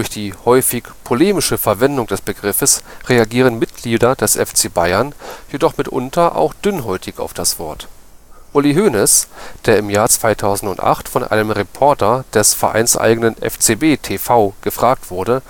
die häufig polemische Verwendung des Begriffes reagieren Mitglieder des FC Bayern jedoch mitunter auch dünnhäutig auf das Wort. Uli Hoeneß, der im Jahr 2008 von einem Reporter des vereinseigenen „ FCB TV “gefragt wurde